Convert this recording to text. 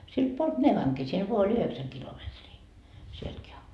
siltä puolta Nevankin siellä vain oli yhdeksän kilometriä sieltäkin -